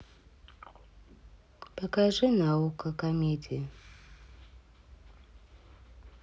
покажи на окко комедии